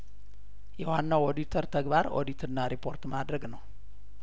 የዋናው ኦዲተር ተግባር ኦዲትና ሪፖርት ማድረግ ነው